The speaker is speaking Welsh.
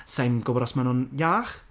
Sai'n gwbod os ma' hwnna'n iach?